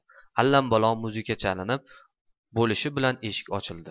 allambalo muzika chalinib bo'lishi bilan eshik ochildi